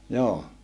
joo